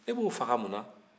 e b'o faga mun na